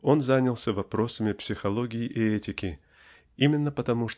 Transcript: он занялся вопросами психологии и этики именно потому